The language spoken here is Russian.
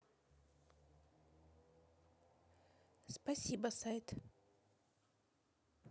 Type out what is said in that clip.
спасибо сайт